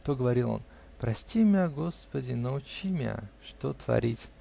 то говорил он: прости мя, господи, научи мя, что творить.